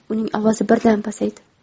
uning ovozi birdan pasaydi